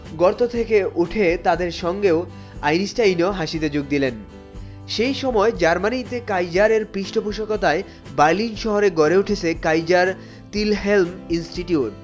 গর্ত থেকে উঠে তাদের সঙ্গে ও আইনস্টাইন ও হাসিতে যোগ দিলেন সেই সময় জার্মানিতে কাইজারের পৃষ্ঠপোষকতায় শহরে কাইজার টিল হেল্প ইনস্টিটিউট